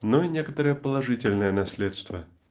но и некоторое положительное наследство.